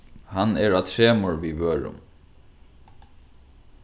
hann er á tremur við vørum